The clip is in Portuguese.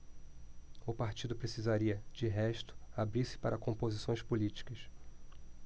o partido precisaria de resto abrir-se para composições políticas